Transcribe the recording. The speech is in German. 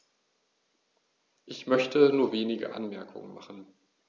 Ich möchte nur wenige Anmerkungen machen.